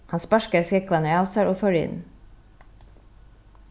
hann sparkaði skógvarnar av sær og fór inn